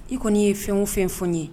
I kɔni ye fɛn o fɛn fɔ ni ye